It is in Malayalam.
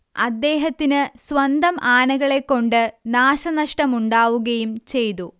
അദ്ദേഹത്തിന് സ്വന്തം ആനകളെകൊണ്ട് നാശനഷ്ടമുണ്ടാവുകയും ചെയ്തു